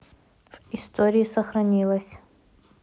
в истории сохранилось